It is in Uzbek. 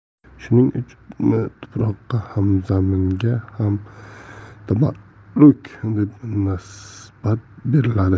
shuning uchunmi tuproqqa ham zaminga ham tabarruk deb nisbat beriladi